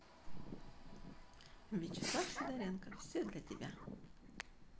вячеслав сидоренко все для тебя